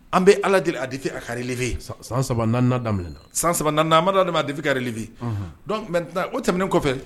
An bɛ Ala deeli a défi a ka relevé san 3 4 nan daminɛ na san 3 4 nan an b'a daminɛ a défi ka relevé donc maintenant o tɛmɛnen kɔfɛ